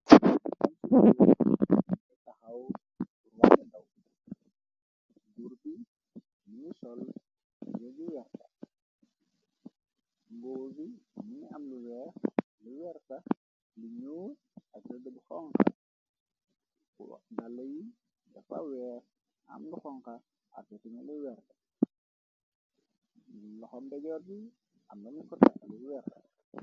Sansi e taxaw burwàñce daw gur bi li ñu sol jër gu yerxa ngoogi mini am lu werta li ñuo ak adëg xonxa bu dala yi defa weer am nu xonka ar detina n wert loxo mbejor di amnañu kota lu werta.